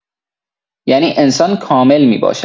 یعنی انسان کامل می‌باشد.